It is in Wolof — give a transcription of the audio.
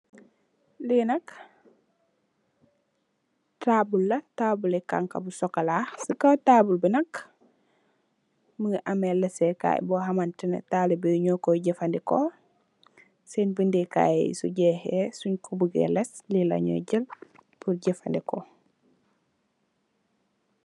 Li nak tabull la tabull li xanxa bu sokola ci kaw tabull bi nak mugii ameh lesé kay bo xamanteni talibeh yi ño koy jafandiko seen bindé kay yi su jaxee suñ bugéé Les li la ñé jél purr jafandiko ko.